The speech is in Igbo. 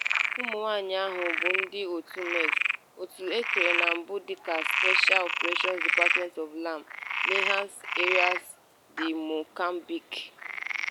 Ụmụnwaanyị ahụ bụ ndị òtù MEX, òtù e kere na mbụ dịka Special Operations Department of LAM — Linhas Aéreas de Moçambique.